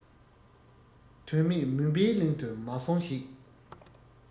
དོན མེད མུན པའི གླིང དུ མ སོང ཞིག